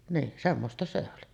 niin semmoista se oli